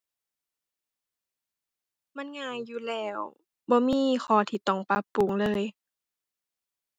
มันง่ายอยู่แล้ว บ่มีข้อที่ต้องปรับปรุงเลย